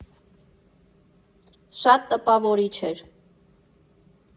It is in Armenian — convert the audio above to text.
Շատ տպավորիչ էր։